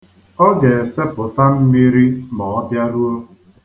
Ọ ga-esepụta mmiri ma ọ bịaruo.